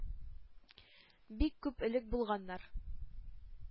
Бик күп элек булганнар.